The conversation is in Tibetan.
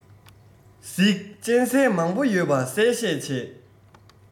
གཟིག གཅན གཟན མང པོ ཡོད པ གསལ བཤད བྱས